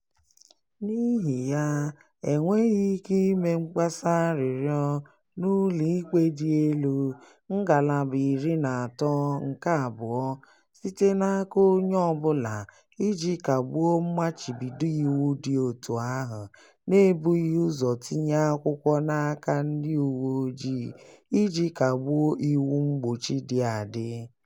N'ihi ya, "e nweghị ike ime mkpesa arịrịọ n'Ụlọikpe Dị Elu" [Ngalaba 13(2)] site n'aka onye ọ bụla iji kagbuo mmachibido iwu dị otu ahụ na-ebughị ụzọ tinye akwụkwọ n'aka ndị uwe ojii iji kagbuo iwu mgbochi dị adị.